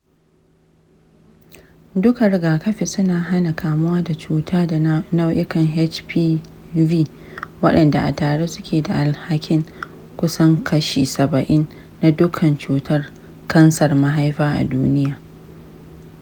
duka rigakafi suna hana kamuwa da cuta da nau’ikan hpv waɗanda a tare suke da alhakin kusan kashi saba'in na dukkan cutar kansar mahaifa a duniya.